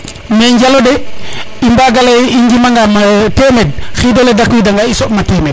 mais Njalo de i mbgo leye i njima nga temed o xidole deak wida nga i soɓ ma temed